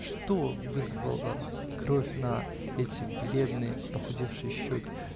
что вызвало кровь на эти бледные, похудевшие щеки?